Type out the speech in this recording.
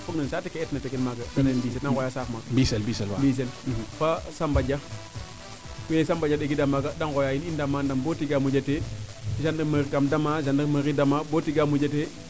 fogna no saate ke eet na tegel maaga de ngooya saax maak Mbisel fa Samba Dia ye Samba Dia ɗegiina maaga de ngooya in i ndama ndam bo tige mujatee gendarmerie kam damaa gendarmerie dama bo tiga mujata